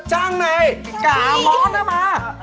trang này cả mõ nữa mà